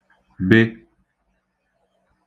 -be